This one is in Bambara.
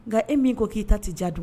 Nka e min ko k'i ta ti jaabi